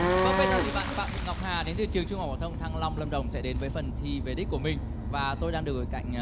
vâng bây giờ thì bạn phạm thị ngọc hà đến từ trường trung học phổ thông thăng long lâm đồng sẽ đến với phần thi về đích của mình và tôi đang được ngồi cạnh